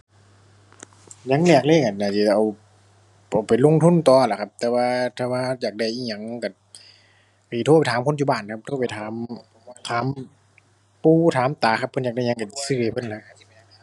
อย่างแรกเลย ก็น่าสิเอา เอาไปลงทุนต่อแหละครับแต่ว่า แต่ว่า อยากได้อิหยังก็ สิโทรถามคนอยู่บ้านครับ โทรไปถาม ถามปู่ถามตาครับ เพิ่นอยากได้หยัง ก็สิซื้อให้เพิ่นล่ะครับ